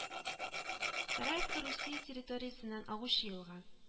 Сараевка Русия территориясеннән агучы елга